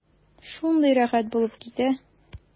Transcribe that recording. Шундый рәхәт булып китә.